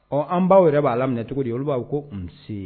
Ɔ an b baw yɛrɛ b'a laminɛ cogo di ye olu b'a ko nse